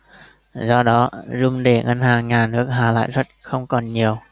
do đó room để ngân hàng nhà nước hạ lãi suất không còn nhiều